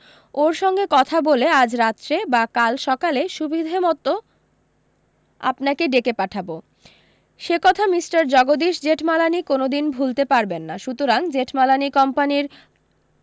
ওর সঙ্গে কথা বলে আজ রাত্রে বা কাল সকালে সুবিধেমতো আপনাকে ডেকে পাঠাবো সে কথা মিষ্টার জগদীশ জেঠমালানি কোনোদিন ভুলতে পারবেন না সুতরাং জেঠমালানি কোম্পানির